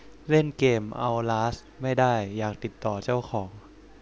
เล่นเกมเอ้าลาสไม่ได้อยากติดต่อเจ้าของ